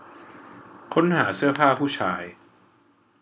ค้นหาเสื้อผ้าผู้ชาย